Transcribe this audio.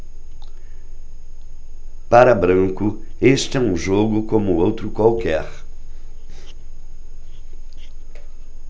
para branco este é um jogo como outro qualquer